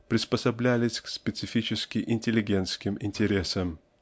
приспособлялись к специфически интеллигентским интересам